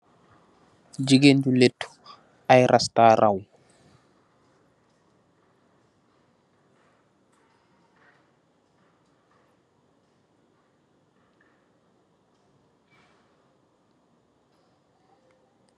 Jigéen ju leetu ay rastaa raw.